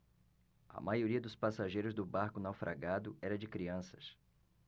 a maioria dos passageiros do barco naufragado era de crianças